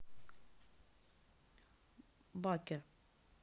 baker